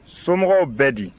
somɔgɔw bɛ di